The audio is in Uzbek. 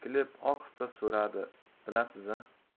ohista so'radi bilasiz a